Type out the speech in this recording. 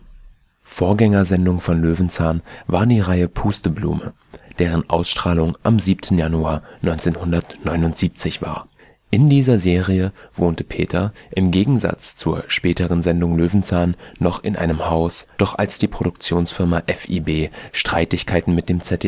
Vorgängersendung von Löwenzahn war die Reihe Pusteblume, deren Erstausstrahlung am 7. Januar 1979 war. In dieser Serie wohnte Peter im Gegensatz zur späteren Sendung Löwenzahn noch in einem Haus, doch als die Produktionsfirma FiB Streitigkeiten mit dem ZDF